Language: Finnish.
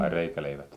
ai reikäleivät